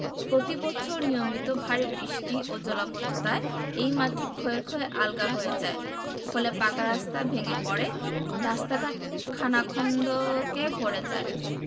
প্রতিবছর নিয়মিত ভারি বৃষ্টি ও জলাবদ্ধতায় এই মাটি ক্ষয়ে ক্ষয়ে আলগা হয়ে যায় ফলে পাকা রাস্তা ভেঙ্গে পড়ে রাস্তাঘাট খানাখন্দকে ভরে যায়